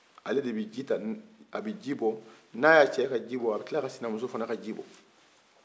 ale de bi ji ta a bi bɔ n'a y'a cɛ ka ji bɔ a bi tila ka sinamuso fana ka ji bɔ